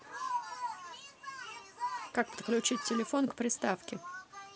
как подключить телефон к приставке